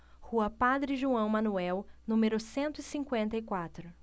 rua padre joão manuel número cento e cinquenta e quatro